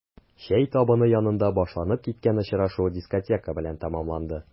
Чәй табыны янында башланып киткән очрашу дискотека белән тәмамланды.